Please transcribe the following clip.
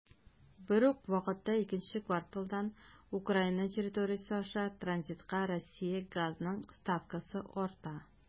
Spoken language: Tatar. Бер үк вакытта икенче кварталдан Украина территориясе аша транзитка Россия газының ставкасы арта.